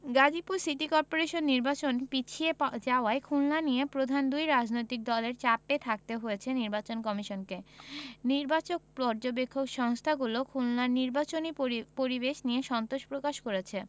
Gazipur city corporation নির্বাচন পিছিয়ে পা যাওয়ায় খুলনা নিয়ে প্রধান দুই রাজনৈতিক দলের চাপে থাকতে হয়েছে নির্বাচন কমিশনকে নির্বাচন পর্যবেক্ষক সংস্থাগুলো খুলনার নির্বাচনী পরি পরিবেশ নিয়ে সন্তোষ প্রকাশ করেছে